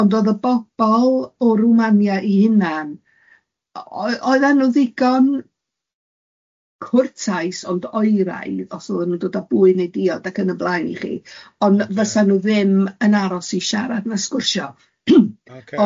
odd y bobl o Rwmania i hunan o- oedden nhw'n ddigon cwrtais, ond oeraidd os oedden nhw'n dod â bwyd neu diod ac yn y blaen i chi, ond fysa nhw ddim yn aros i siarad na sgwrsio Ocê.